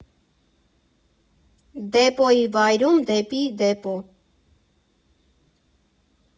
Դեպոյի վայրում Դեպի Դեպո։